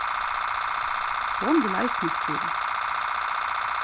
hon vil eisini skriva